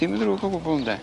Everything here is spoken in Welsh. Dim ddrwg o gwbwl ynde.